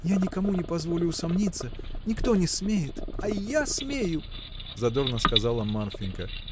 — Я никому не позволю усомниться. Никто не смеет! — А я смею! — задорно сказала Марфинька.